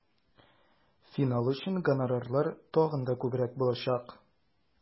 Финал өчен гонорарлар тагын да күбрәк булачак.